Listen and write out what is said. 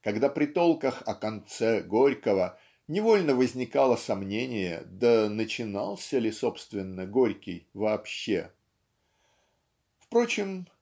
когда при толках о конце Горького невольно возникало сомнение да начинался ли собственно Горький вообще. Впрочем